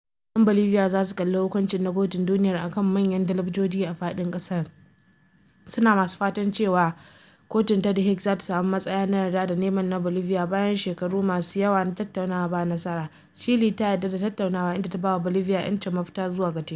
‘Yan Bolivia za su kalli hukuncin na Kotun Duniyar a kan manyan talabijoji a faɗin ƙasar, suna masu fatan cewa kotun ta The Hague za ta sami matsaya na yarda da neman na Bolivia - bayan shekaru masu yawa na tattaunawa da ba nasara - Chile ta yarda da tattaunawa inda ta ba wa Bolivia ‘yancin mafita zuwa ga tekun.